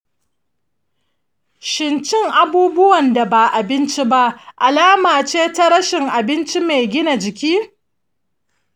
shin cin abubuwan da ba abinci ba alama ce ta rashin abinci mai gina jiki?